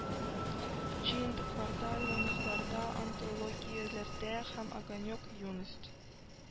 Җыентыкларда, альманахларда, антологияләрдә һәм «огонёк», «юность»,